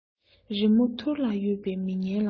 རི མོ ཐུར ལ ཡོད པའི མི ངན ལ